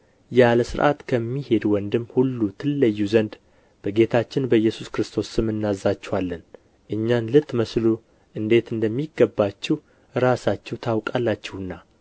ያለ ሥርዓት ከሚሄድ ወንድም ሁሉ ትለዩ ዘንድ በጌታችን በኢየሱስ ክርስቶስ ስም እናዛችኋለን እኛን ልትመስሉ እንዴት እንደሚገባችሁ ራሳችሁ ታውቃላችሁና